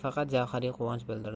faqat javhariy quvonch bildirdi